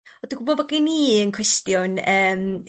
Wel dwi'n gwbod bod gen i un cwestiwn yym...